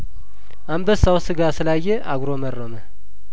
አንበሳው ስጋ ስላየ አጉረመረመ